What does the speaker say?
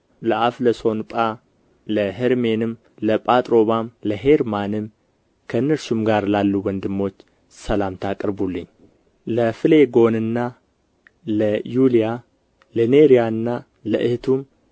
ለአፍለሶንጳ ለሄሮሜንም ለጳጥሮባም ለሄርማንም ከእነርሱም ጋር ላሉ ወንድሞች ሰላምታ አቅርቡልኝ ለፍሌጎንና ለዩልያ ለኔርያና ለእኅቱም